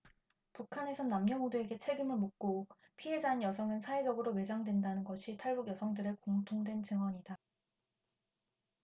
북한에선 남녀 모두에게 책임을 묻고 피해자인 여성은 사회적으로 매장된다는 것이 탈북 여성들의 공통된 증언이다